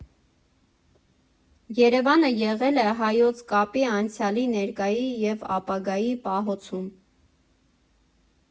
ԵՐԵՎԱՆը եղել է հայոց կապի անցյալի, ներկայի և ապագայի պահոցում.